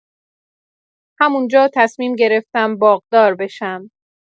همون‌جا تصمیم گرفتم باغدار بشم.